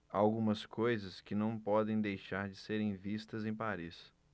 há algumas coisas que não podem deixar de serem vistas em paris